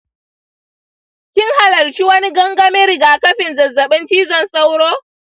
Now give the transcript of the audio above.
kin halarci wani gangamin rigakafin zazzabin cizon sauro?